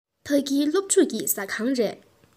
ཕ གི སློབ ཕྲུག གི ཟ ཁང རེད